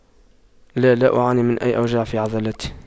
لا لا أعاني من أي أوجاع في عضلاتي